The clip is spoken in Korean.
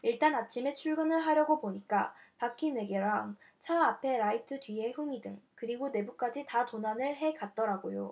일단 아침에 출근을 하려고 보니까 바퀴 네 개랑 차 앞에 라이트 뒤에 후미등 그리고 내부까지 다 도난을 해 갔더라고요